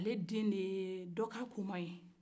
ale den de ye dɔkakoma ye